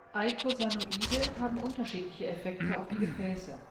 Eikosanoide haben unterschiedliche Effekte auf die Gefäße